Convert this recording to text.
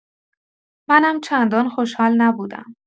منم چندان خوشحال نبودم.